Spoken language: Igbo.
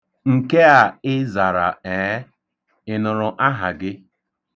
Nke a ị zara "èe?", ị nụrụ aha gị?